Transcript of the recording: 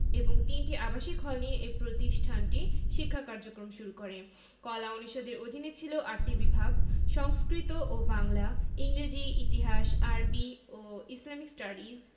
এবং ৩টি আবাসিক হল নিয়ে এ প্রতিষ্ঠানটি শিক্ষা কার্যক্রম শুরু করে কলা অনুষদের অধীনে ছিল ৮টি বিভাগ সংস্কৃত ও বাংলা ইংরেজি ইতিহাস আরবি ও ইসলামিক স্টাডিজ